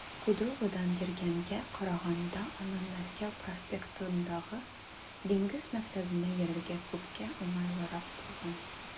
Кудроводан йөргәнгә караганда аннан Мәскәү проспектындагы Диңгез мәктәбенә йөрергә күпкә уңайлырак булган.